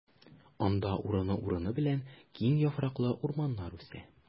Анда урыны-урыны белән киң яфраклы урманнар үсә.